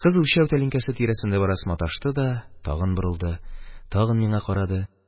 Кыз үлчәү тәлинкәсе тирәсендә бераз маташты да тагын борылды, тагын миңа карады.